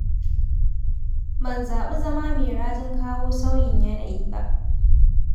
Ban zaɓi zama mai rajin kawo sauyin yanayi ba.